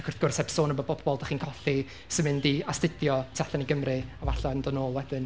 Ac wrth gwrs, heb sôn am y bobl dach chi'n colli sy'n mynd i astudio tu allan i Gymru a falle yn dod nôl wedyn.